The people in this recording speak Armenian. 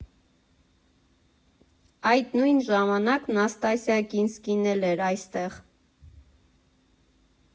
Այդ նույն ժամանակ Նաստասիա Կինսկին էլ էր այստեղ։